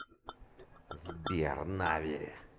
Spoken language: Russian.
сбер нави